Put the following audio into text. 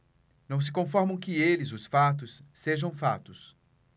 não se conformam que eles os fatos sejam fatos